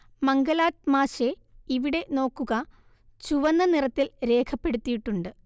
മംഗലാട്ട് മാശെ ഇവിടെ നോക്കുക ചുവന്ന നിറത്തിൽ രേഖപ്പെടുത്തിയിട്ടുണ്ട്